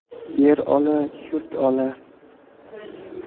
yer ola yurt ola